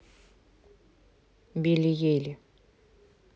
билли ейли